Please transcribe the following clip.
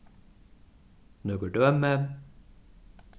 nøkur dømi